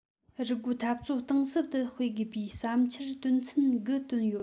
རུལ རྒོལ འཐབ རྩོད གཏིང ཟབ ཏུ སྤེལ དགོས པའི བསམ འཆར དོན ཚན དགུ བཏོན ཡོད